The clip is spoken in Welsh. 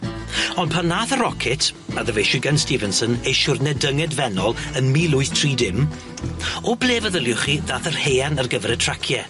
On' pan wnath y rocket, a ddyfeisiwyd gan Stevenson, ei siwrne dyngedfennol yn mil wyth tri dim o ble feddyliwch chi dath yr haearn ar gyfer y tracie?